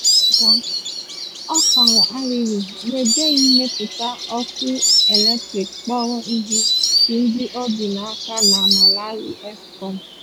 N'ọkwa nke gara aga, ọ kwara arịrị n'ejighi mmepụta ọkụ eletrik kpọrọ ihe bụ ndị ọ dị n'aka na Malawi ESCOM.